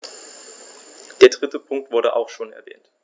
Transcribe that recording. Der dritte Punkt wurde auch schon erwähnt.